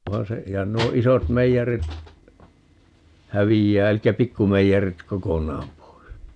vaan se ja nuo isot meijerit häviää eli pikkumeijerit kokonaan pois